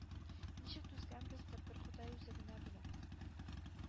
Ничек түзгәнбездер, бер Ходай үзе генә белә.